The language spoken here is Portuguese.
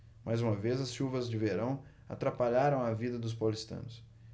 mais uma vez as chuvas de verão atrapalharam a vida dos paulistanos